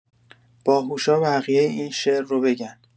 باهوشا بقیه این شعر رو بگن.